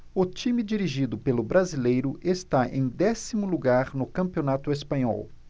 o time dirigido pelo brasileiro está em décimo lugar no campeonato espanhol